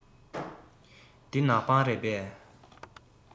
འདི ནག པང རེད པས